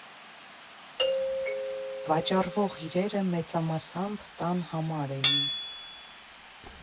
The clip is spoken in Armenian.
Վաճառվող իրերը մեծամասամբ տան համար էին.